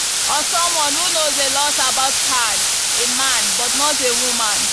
Or someone who knows a lot about cars — a man, but not a woman.